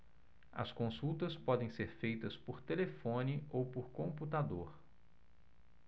as consultas podem ser feitas por telefone ou por computador